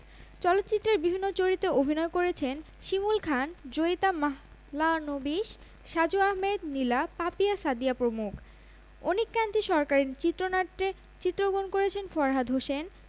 short film বিভাগে প্রদর্শিত হবে কালো মেঘের ভেলায় ও দাগ নামের দুটি স্বল্পদৈর্ঘ চলচ্চিত্র উল্লেখ্য এর আগে ৭ম সার্ক চলচ্চিত্র উৎসব ২০১৭ তে